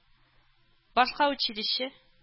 Башка училище